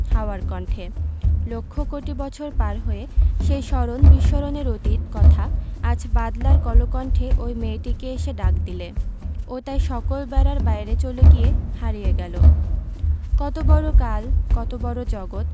হাওয়ার কণ্ঠে লক্ষ কোটি বছর পার হয়ে সেই স্মরণ বিস্মরণের অতীত কথা আজ বাদলার কলকণ্ঠে ঐ মেয়েটিকে এসে ডাক দিলে ও তাই সকল বেড়ার বাইরে চলে গিয়ে হারিয়ে গেল কত বড় কাল কত বড় জগত